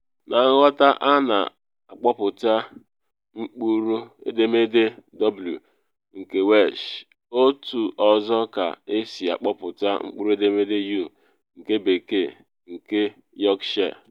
Na nghọta a ana akpọpụta mkpụrụedemede w nke Welsh otu ụzọ ka esi akpọpụta mkpụrụedemede u nke Bekee nke Yorkshire.